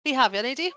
Bihafia wnei di!